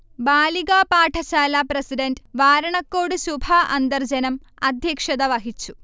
ബാലികാപാഠശാല president Varanakkode Subha Antharjanam അധ്യക്ഷത വഹിച്ചു